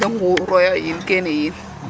Manaan de nqurooyo yiin kene yiin.